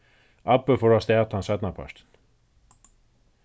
abbi fór avstað tann seinnapartin